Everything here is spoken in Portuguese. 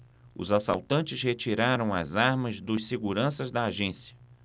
os assaltantes retiraram as armas dos seguranças da agência